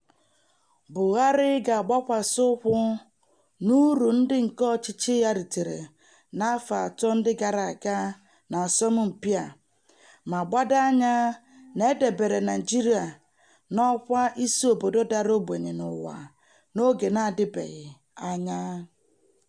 Buhari ga-agbakwasị ụkwụ n'uru ndị nke ọchịchị ya ritere na afọ atọ ndị gara aga n'asọmpị a ma gbado anya na e debere Naịjirịa n'ọkwa isi obodo dara ogbenye n'ụwa n'oge na-adịbeghị anya.